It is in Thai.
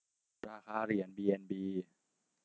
ราคาเหรียญบีเอ็นบี